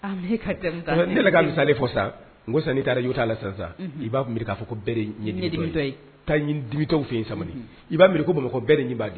Ne ka sa ale fɔ sa san taara t'a la sisan sa i b'a kun k'a fɔ ko dimitaw fɛ yen sabali i b'ari bamakɔ bɛɛ ni nci b'a